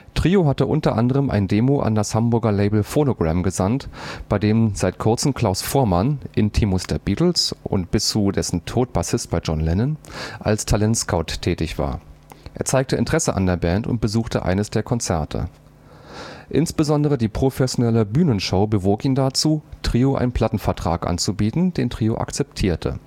Trio hatte unter anderem ein Demo an das Hamburger Label Phonogram gesandt, bei dem seit kurzem Klaus Voormann (Intimus der Beatles und bis zu dessen Tode Bassist bei John Lennon) als Talentscout tätig war. Er zeigte Interesse an der Band und besuchte eines der Konzerte. Insbesondere die professionelle Bühnenshow bewog ihn dazu, Trio einen Plattenvertrag anzubieten, den Trio akzeptierte